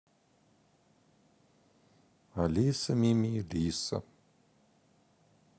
алиса мими лисса